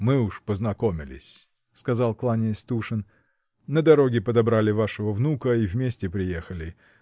— Мы уж познакомились, — сказал, кланяясь, Тушин, — на дороге подобрали вашего внука и вместе приехали.